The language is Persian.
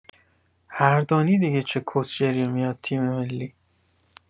حردانی دیگه چه کصشعریه میاد تیم‌ملی